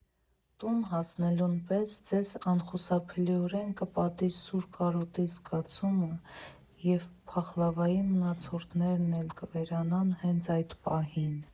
Տուն հասնելուն պես ձեզ անխուսափելիորեն կպատի սուր կարոտի զգացումը և փախլավայի մնացորդներն էլ կվերանան հենց այդ պահին։